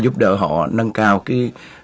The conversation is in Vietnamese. giúp đỡ họ nâng cao cái